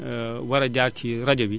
war a jaar ci rajo bi